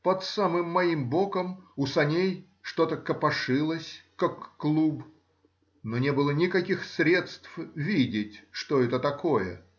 Под самым моим боком у саней что-то копошилось, как клуб, но не было никаких средств видеть, что это такое.